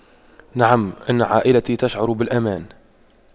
نعم ان عائلتي تشعر بالأمان